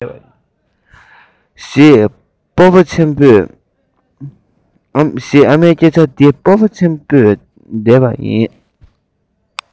དེའི རྗེས སུ རྫོགས རྒྱུ མེད པའི མ ཎིའི